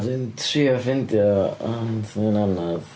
Dwi'n trio ffeindio, ond mae'n anodd.